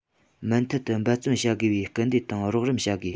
མུ མཐུད དུ འབད བརྩོན བྱ དགོས པའི སྐུལ འདེད དང རོགས རམ བྱ དགོས